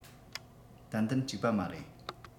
ཏན ཏན གཅིག པ མ རེད